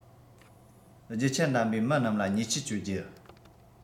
རྒྱུ ཆ གདམ པའི མི རྣམས ལ ཉེས ཆད གཅོད རྒྱུ